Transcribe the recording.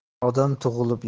odam tug'ilib yomon